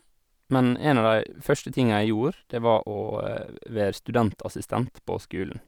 Men en av de første tinga jeg gjorde, det var å være studentassistent på skolen.